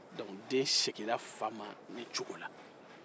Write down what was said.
dɔnku den seginna fa ma nin cogo la